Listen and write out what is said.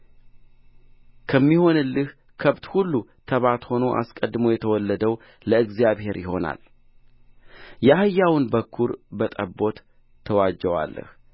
ከሚሆንልህ ከብት ሁሉ ተባት ሆኖ አስቀድሞ የተወለደው ለእግዚአብሔር ይሆናል የአህያውን በኵር በጠቦት ትዋጀዋለህ